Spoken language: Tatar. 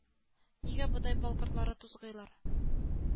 Моңарга кырда Бүре очраган.